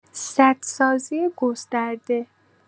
سدسازی گسترده